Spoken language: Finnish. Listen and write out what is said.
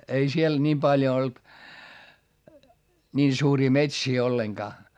ei siellä niin paljon ollut niin suuria metsiä ollenkaan